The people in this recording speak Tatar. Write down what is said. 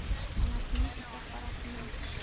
Анасының итәк арасына